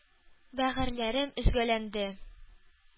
Бәгырьләрем өзгәләнде,